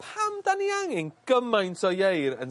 Oam 'dan ni angen gymaint o ieir yn...